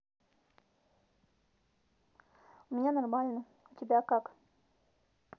у меня нормально у тебя как